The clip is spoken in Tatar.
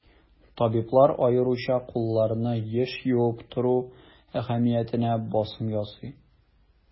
Табиблар аеруча кулларны еш юып тору әһәмиятенә басым ясый.